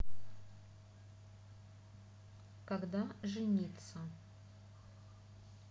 когда жениться